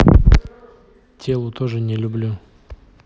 телу тоже не люблю